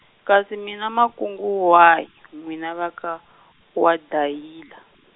kasi mi na makungu wahi n'wina va ka, waDayila?